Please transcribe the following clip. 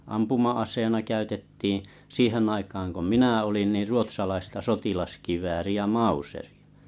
ampuma-aseena käytettiin siihen aikaan kun minä olin niin ruotsalaista sotilaskivääriä mauseria